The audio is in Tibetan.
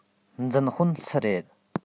འཛིན དཔོན སུ རེད